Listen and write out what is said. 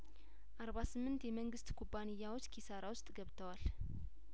አርባ ስምንት የመንግስት ኩባንያዎች ኪሳራ ውስጥ ገብተዋል